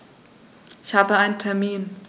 Ich habe einen Termin.